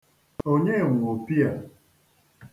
Onye nwe opi a?